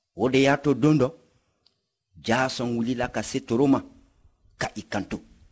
o de y'a to don dɔ jaason wulila ka se toro ma ka i kanto